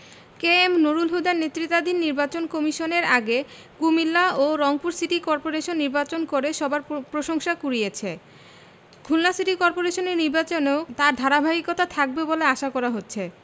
কে M Nurul হুদার নেতৃত্বাধীন নির্বাচন কমিশন এর আগে কুমিল্লা ও রংপুর সিটি করপোরেশন নির্বাচন করে সবার প্রশংসা কুড়িয়েছে খুলনা সিটি করপোরেশন নির্বাচনেও তার ধারাবাহিকতা থাকবে বলে আশা করা হচ্ছে